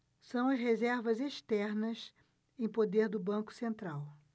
são as reservas externas em poder do banco central